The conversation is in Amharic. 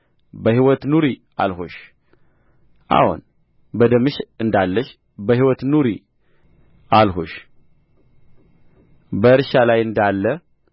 በሕይወት ኑሪ አልሁሽ አዎን በደምሽ እንዳለሽ በሕይወት ኑሪ አልሁሽ በእርሻ ላይ እንዳለ